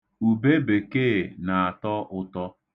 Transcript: Ubebekee na-atọ ụtọ.